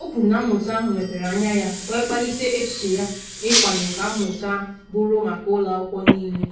O kwuru na mmụta ahụ mepere anya ya wee kpalite echiche ya ịkwanye ka mmụta a bụrụ maka ụlọ akwụkwọ niile.